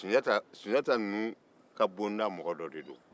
sunjata sunjata ninnu ka bonda mɔgɔ dɔ de don